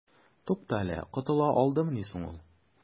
Туктале, котыла алдымыни соң ул?